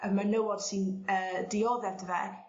y menywod sy'n yy dioddef 'dy fe